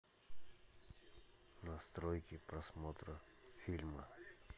настройки просмотра фильма